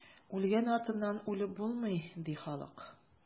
Үлгән артыннан үлеп булмый, ди халык.